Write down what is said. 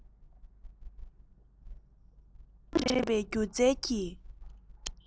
ཚོར སྣང འདྲེས པའི སྒྱུ རྩལ གྱི